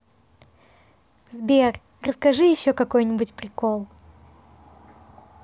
сбер расскажи еще какой нибудь прикол